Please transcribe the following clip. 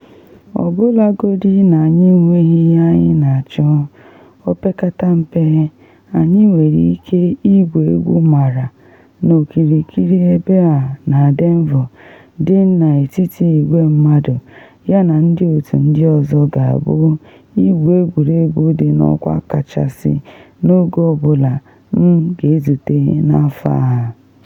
“Ọbụlagodi na anyị enweghi ihe anyị na achụ, opekata mpe anyị nwere ike igwu egwu mara na okirikiri ebe a na Denver dị n’etiti igwe mmadụ yana ndị otu ndị ọzọ ga-abụ igwu egwuregwu dị n’ọkwa kachasị n’oge ọ bụla m ga-ezute n’afọ a.